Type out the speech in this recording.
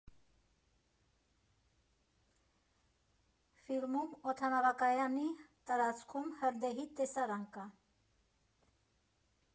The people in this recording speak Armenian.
Ֆիլմում օդանավակայանի տարածքում հրդեհի տեսարան կա։